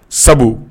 Sabu